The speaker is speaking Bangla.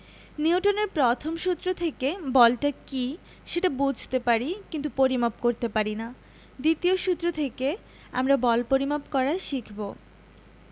নিউটনের প্রথম সূত্র থেকে বলটা কী সেটা বুঝতে পারি কিন্তু পরিমাপ করতে পারি না দ্বিতীয় সূত্র থেকে আমরা বল পরিমাপ করা শিখব